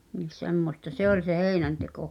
niin semmoista se oli se heinänteko